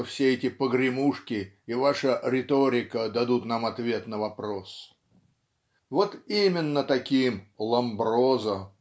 что все эти погремушки и ваша риторика дадут нам ответ на вопрос?" Вот именно таким "Ломброзо"